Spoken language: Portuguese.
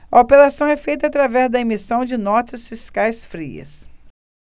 a operação é feita através da emissão de notas fiscais frias